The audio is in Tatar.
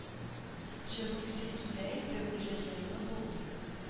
Җырлыйсы килә иде, үҗәтләнүе булды